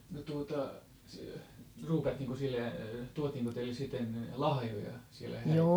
no tuota ruukattiinko siellä tuotiinko teille sitten lahjoja siellä häissä